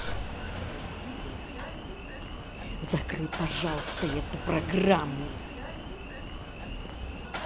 закрой пожалуйста эту программу